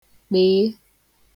kpe